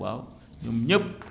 waaw ñoop ñépp